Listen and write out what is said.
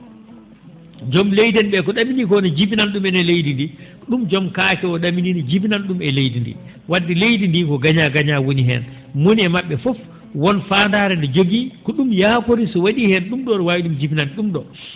joom leydi en ?ee ko ?aminii koo ene jibinana ?umen e leydi ndi ?um joom kaake oo ?aminii no jibinana ?um e leydi ndii wadde leydi ndii ko gagnant-gagnant woni heen mo woni e ma??e fof won faandazre nde jogii ko ?um yaakori so wa?ii heen ?um ?oo no waawi jibinande ?um ?oo